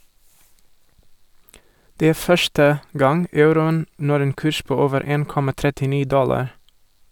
Det er første gang euroen når en kurs på over 1,39 dollar.